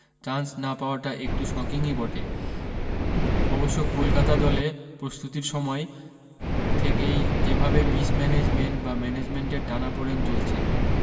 chance না পাওয়াটা একটু শকিংই বটে অবশ্য কোলকাতা দলে প্রস্তুতির সময় থেকেই যেভাবে মিসম্যানেজমেন্ট বা ম্যানেজমেন্টের টানাপোড়েন চলছে